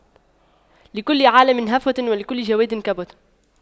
لكل عالِمٍ هفوة ولكل جَوَادٍ كبوة